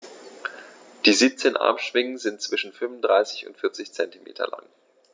Die 17 Armschwingen sind zwischen 35 und 40 cm lang.